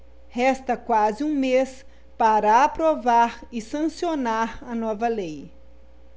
resta quase um mês para aprovar e sancionar a nova lei